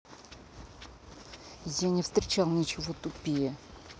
я не встречал ничего тупее